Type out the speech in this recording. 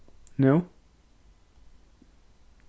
nú